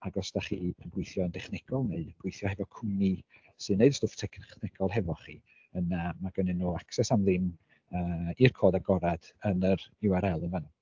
Ac os dach chi yn gweithio'n dechnegol neu gweithio efo cwmni sy'n wneud stwff technegol hefo chi yna ma' gennyn nhw access am ddim yy i'r cod agored yn yr URL yn fanna.